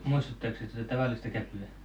muistuttaako se tuota tavallista käpyä